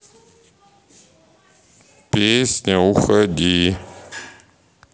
песня уходи